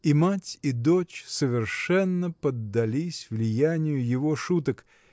И мать и дочь совершенно поддались влиянию его шуток